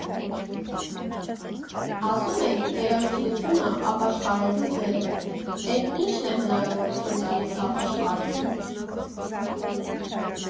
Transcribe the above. Ասում եք՝ երաժշտությունն ապաշխարելու ձև է, էլ ի՞նչն է հնարավորություն տալիս ապաշխարելու։